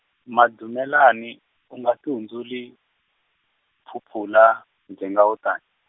Madumelani, u nga tihundzuli, phuphula, ndzhengha wo tani.